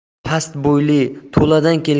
past bo'yli to'ladan